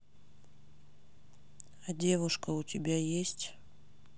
а девушка у тебя есть